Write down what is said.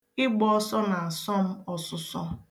̣Ị gba ọsọ na-asọ m ọsụsọ